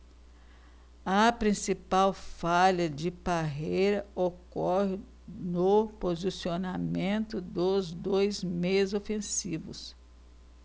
a principal falha de parreira ocorre no posicionamento dos dois meias ofensivos